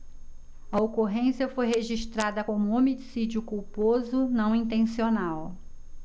a ocorrência foi registrada como homicídio culposo não intencional